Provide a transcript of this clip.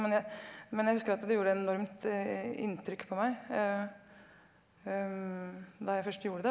men jeg men jeg husker at det gjorde enormt inntrykk på meg da jeg først gjorde det.